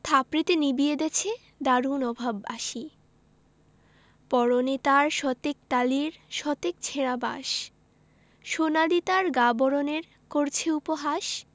থাপড়েতে নিবিয়ে দেছে দারুণ অভাব আসি পরনে তার শতেক তালির শতেক ছেঁড়া বাস সোনালি তার গা বরণের করছে উপহাস